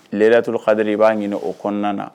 Lahilatoul kadiri i b'a ɲini o kɔnɔna na.